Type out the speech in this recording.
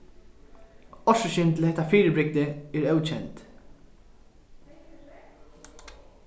orsøkin til hetta fyribrigdið er ókend